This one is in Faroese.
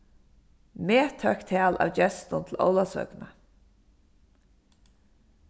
methøgt tal av gestum til ólavsøkuna